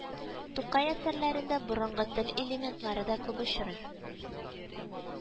Тукай әсәрләрендә борынгы тел элементлары да күп очрый